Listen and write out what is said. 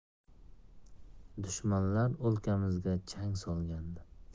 dushmanlar o'lkamizga chang solgandi